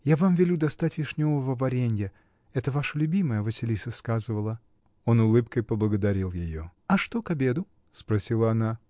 Я вам велю достать вишневого варенья: это ваше любимое, Василиса сказывала. Он улыбкой поблагодарил ее. — А что к обеду? — спросила она.